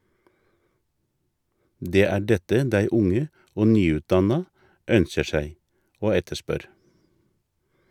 Det er dette dei unge og nyutdanna ønskjer seg og etterspør.